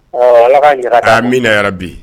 Ɔɔ Ala ka ɲa ka da ma . Amiina yarabi.